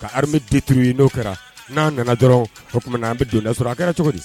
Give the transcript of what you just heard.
Ka hame denturu n'o kɛra n'aan nana dɔrɔn o tuma an bɛ don sɔrɔ a kɛra cogo di